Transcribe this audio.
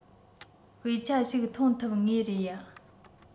དཔེ ཆ ཞིག ཐོན ཐུབ ངེས རེད ཡ